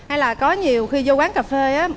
hay là có nhiều khi vô quán cà phê á